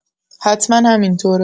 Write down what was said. حتما همینطوره.